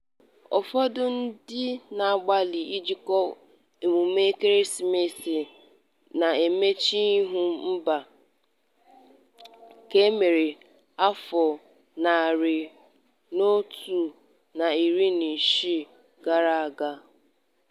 Ụfọdụ ndị na-agbalị ịjikọ emume ekeresimesi na mmechuihu mba nke mere afọ 160 gara aga.